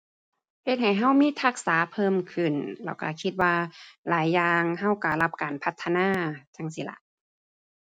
เฮ็ดให้เรามีทักษะเพิ่มขึ้น แล้วเราคิดว่าหลายอย่าง เราเรารับการพัฒนาจั่งซี้ล่ะ